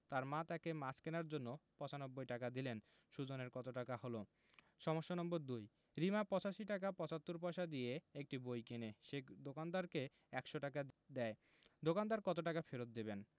তার মা তাকে মাছ কেনার জন্য ৯৫ টাকা দিলেন সুজনের কত টাকা হলো সমস্যা নম্বর ২ রিমা ৮৫ টাকা ৭৫ পয়সা দিয়ে একটি বই কিনে সে দোকানদারকে ১০০ টাকা দেয় দোকানদার কত টাকা ফেরত দেবেন